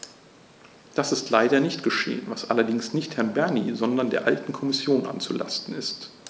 Das ist leider nicht geschehen, was allerdings nicht Herrn Bernie, sondern der alten Kommission anzulasten ist.